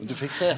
men du fekk sjå.